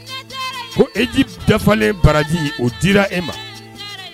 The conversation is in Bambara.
Ko eji dafalen baraji o dira e ma